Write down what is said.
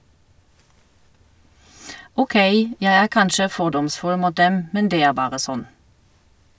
Åkei, jeg er kanskje fordomsfull mot dem, men det er bare sånn.